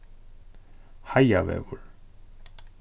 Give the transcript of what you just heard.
heiðavegur